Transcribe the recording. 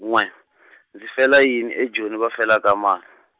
n'we , ndzi fela yini eJoni va felaka mal-?